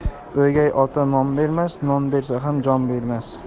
o'gay ota non bermas non bersa ham jon bermas